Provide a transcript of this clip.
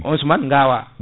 on suman gawa